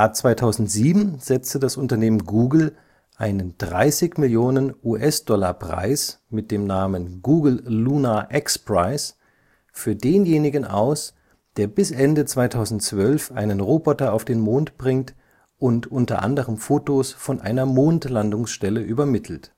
2007 setzte das Unternehmen Google einen 30-Millionen-US-Dollar-Preis (Google Lunar X-Prize) für denjenigen aus, der bis Ende 2012 einen Roboter auf den Mond bringt und unter anderem Fotos von einer Mondlandungsstelle übermittelt